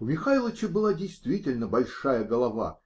У "Михайлыча" была действительно большая голова,